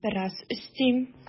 Бераз өстим.